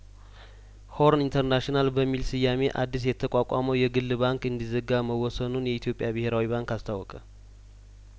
ሆርን ኢንተርናሽናል በሚል ስያሜ አዲስ የተቋቋመው የግል ባንክ እንዲዘጋ መወሰኑን የኢትዮጵያ ብሄራዊ ባንክ አስታወቀ